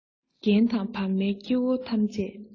རྒན དང བར མའི སྐྱེ བོ ཐམས ཅད